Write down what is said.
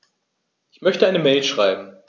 Ich möchte eine Mail schreiben.